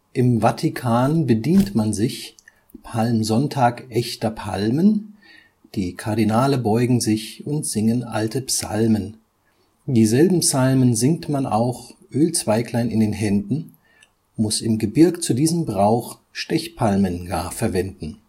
Im Vatikan bedient man sich Palmsonntag echter Palmen Die Kardinale beugen sich und singen alte Psalmen. Dieselben Psalmen singt man auch, Ölzweiglein in den Händen, Muß im Gebirg zu diesem Brauch Stechpalmen gar verwenden